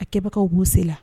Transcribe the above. A kɛbagaw' sen la